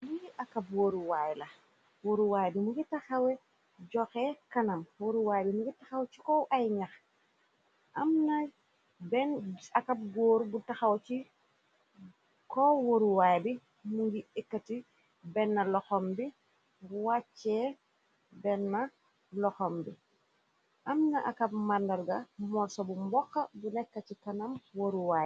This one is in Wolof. li akabwaruwaay bi mungi taxawe joxe kanam waruwaay bi mungi taxaw ci kow ay ñax amaakab góor bu taxaw ci ko waruwaay bi mu ngi ekkati benn loxom bi wàccee benn loxom bi am na akab mbàndarga mool sa bu mbox bu nekk ci kanam waruwaay